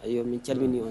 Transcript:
A cali min de ye